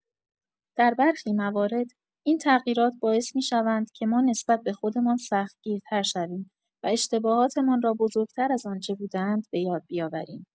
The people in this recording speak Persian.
در برخی موارد، این تغییرات باعث می‌شوند که ما نسبت به خودمان سخت‌گیرتر شویم و اشتباهاتمان را بزرگ‌تر از آنچه بوده‌اند، بۀاد بیاوریم.